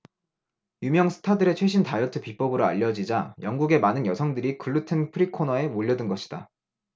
유명 스타들의 최신 다이어트 비법으로 알려지자 영국의 많은 여성들이 글루텐 프리 코너에 몰려든 것이다